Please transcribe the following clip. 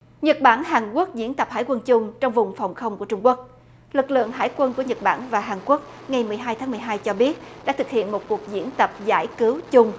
nhật bản hàn quốc diễn tập hải quân chung trong vùng phòng không của trung quốc lực lượng hải quân của nhật bản và hàn quốc ngày mười hai tháng mười hai cho biết đã thực hiện một cuộc diễn tập giải cứu chung